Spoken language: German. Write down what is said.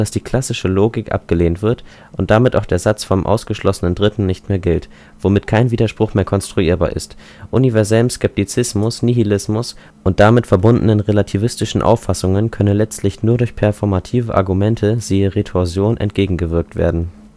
die klassische Logik abgelehnt wird und damit auch der Satz vom ausgeschlossenen Dritten nicht mehr gilt, womit kein Widerspruch mehr konstruierbar ist. Universellem Skeptizismus, Nihilismus und damit verbundenen relativistischen Auffassungen könne letztlich nur durch performative Argumente (siehe Retorsion) entgegengewirkt werden